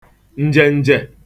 ǹjèǹjè